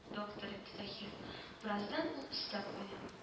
Доктор — диде таһир. бераздан ул өстәп куйды: